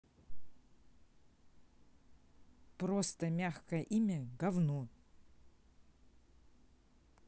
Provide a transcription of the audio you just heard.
простое мягкое имя гавно